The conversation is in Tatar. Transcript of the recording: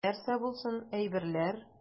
Нәрсә булсын, әйберләр.